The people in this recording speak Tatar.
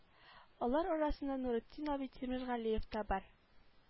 Алар арасында нуретдин абый тимергалеев та бар